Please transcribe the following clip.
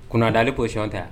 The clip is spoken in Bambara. Kunda kocɔn tɛ